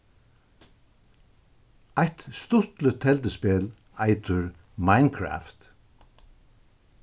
eitt stuttligt telduspæl eitur minecraft